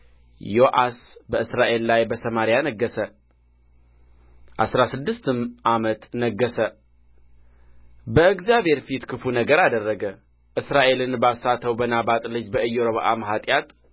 ዮአስ በእስራኤል ላይ በሰማርያ ነገሠ አሥራ ስድስትም ዓመት ነገሠ በእግዚአብሔር ፊት ክፋ ነገር አደረገ እስራኤልን በሳተው በናባጥ ልጅ በኢዮርብዓም ኃጢአት